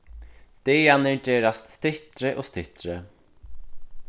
dagarnir gerast styttri og styttri